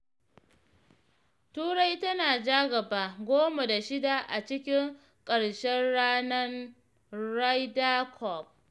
Turai tana ja gaba 10 da 6 a cikin ƙarshen ranan Ryder Cup